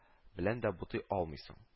Белән дә бутый алмыйсың